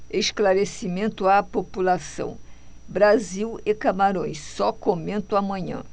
esclarecimento à população brasil e camarões só comento amanhã